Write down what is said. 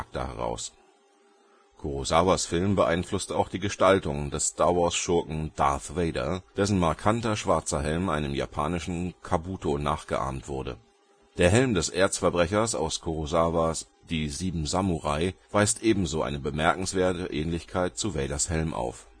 heraus. Kurosawas Film beeinflusste auch die Gestaltung des Star-Wars-Schurken Darth Vader, dessen markanter schwarzer Helm einem japanischen Kabuto nachgeahmt wurde. Der Helm des Erzverbrechers aus Kurosawas Die sieben Samurai weist ebenso eine bemerkenswerte Ähnlichkeit zu Vaders Helm auf